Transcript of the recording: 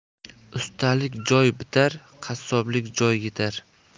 ustalik joy bitar qassoblik joy yitar